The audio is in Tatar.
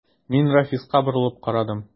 Мин Рафиска борылып карадым.